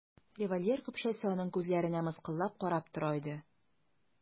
Револьвер көпшәсе аның күзләренә мыскыллап карап тора иде.